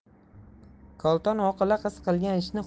kolton oqila qiz qilgan ishni